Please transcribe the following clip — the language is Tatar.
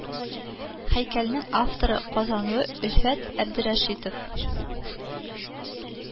Һәйкәлнең авторы казанлы Өлфәт Әбдерәшитов